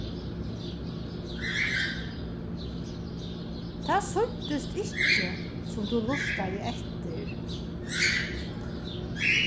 tað sýntist ikki sum tú lurtaði eftir